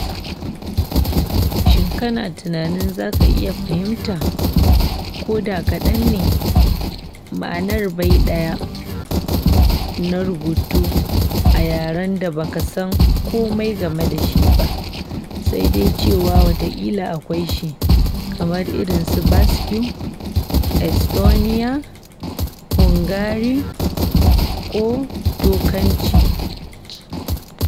Shin kana tunanin zaka iya fahimta - ko da kaɗan ne - ma'anar bai ɗaya na rubutu a yaran da ba ka san komai game da shi ba (sai dai cewa watakila akwai shi) kamar irinsu Basque, Estoniya, Hungari ko Turkanci?